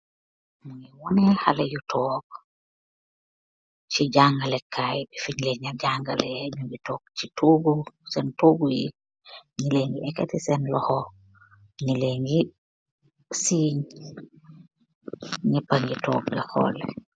Nju ngi woneh haleh yu tok chi jaaangaleh kaii bi fingh lehnah jangaleh, nju ngi tok chi togu, sen togu yii, njee len gui yehkati sen lokho, njee len gui siingh, njepah ngi tok di horleh.